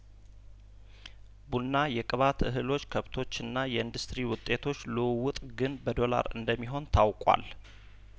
ቡና የቅባት እህሎች ከብቶችና የኢንዱስትሪ ውጤቶች ልውውጥ ግን በዶላር እንደሚሆን ታውቋል